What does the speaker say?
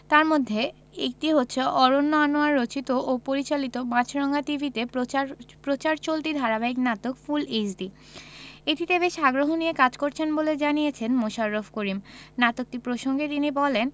তার মধ্যে একটি হচ্ছে অরন্য আনোয়ার রচিত ও পরিচালিত মাছরাঙা টিভিতে প্রচার প্রচার চলতি ধারাবাহিক নাটক ফুল এইচডি এটিতে বেশ আগ্রহ নিয়ে কাজ করছেন বলে জানিয়েছেন মোশাররফ করিম নাটকটি প্রসঙ্গে তিনি বলেন